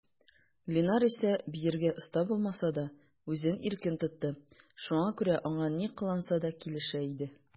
Линар исә, биергә оста булмаса да, үзен иркен тотты, шуңа күрә аңа ни кыланса да килешә иде.